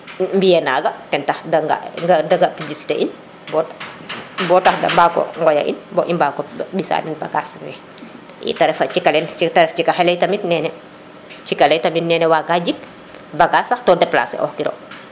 mbiye naga ten tax de de ga publicité in bo te mbago ŋoya in bo i mbago mbisa den bagage kene te refa cikaxa le tamit nene cika le tamit nene waaga jik bagage sax to déplacer ox kiro